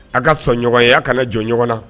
A ka sɔnɲɔgɔnya kana na jɔn ɲɔgɔn na